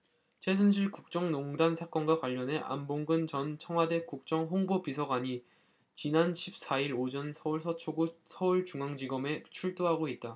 최순실 국정농단 사건과 관련해 안봉근 전 청와대 국정홍보비서관이 지난 십 사 일 오전 서울 서초구 서울중앙지검에 출두하고 있다